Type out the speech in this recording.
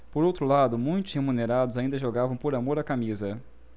por outro lado muitos remunerados ainda jogavam por amor à camisa